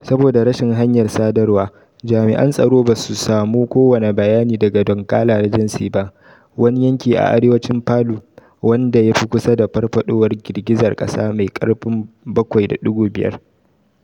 Saboda rashin hanyar sadarwa, jami'an tsaro ba su samu kowane bayani daga Donggala regency ba, wani yanki a arewacin Palu wanda ya fi kusa da farfadowar girgizar kasa mai karfin 7.5.